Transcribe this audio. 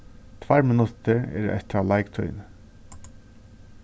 tveir minuttir eru eftir av leiktíðini